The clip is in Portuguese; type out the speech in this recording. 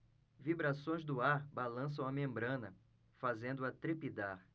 vibrações do ar balançam a membrana fazendo-a trepidar